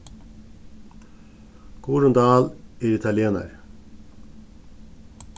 guðrun dahl er italienari